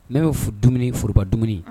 N'o dum foroba dumuni